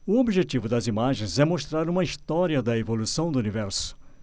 o objetivo das imagens é mostrar uma história da evolução do universo